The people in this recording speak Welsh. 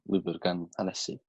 lyfyr gan hanesydd